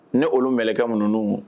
Ne olu mkɛ mun' mun